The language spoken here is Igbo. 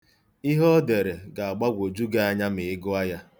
Ihe o dere ga-agbagwoju gị anya ma ị gụọ ya.